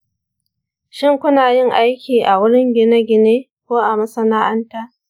shin kuna yin aiki a wurin gine-gine ko a masana'anta?